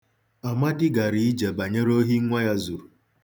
Amadi gara ije banyere ohi nwa ya zuru.